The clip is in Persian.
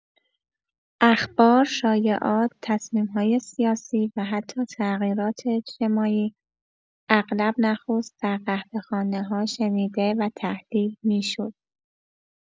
اخبار، شایعات، تصمیم‌های سیاسی و حتی تغییرات اجتماعی، اغلب نخست در قهوه‌خانه‌ها شنیده و تحلیل می‌شد.